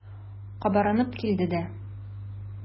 Кабарынып килде дә.